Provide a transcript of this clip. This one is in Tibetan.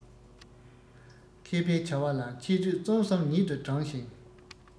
མཁས པའི བྱ བ ལ འཆད རྩོད རྩོམ གསུམ ཉིད དུ བགྲང ཞིང